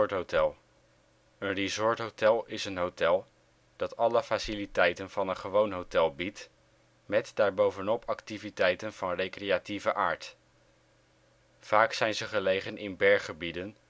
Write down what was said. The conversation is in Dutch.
hotel: Een Resort hotel is een hotel dat alle faciliteiten van een gewoon hotel biedt, met daarbovenop activiteiten van recreatieve aard. Vaak zijn ze gelegen in berggebieden